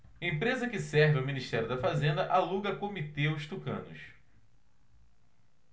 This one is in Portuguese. empresa que serve ao ministério da fazenda aluga comitê aos tucanos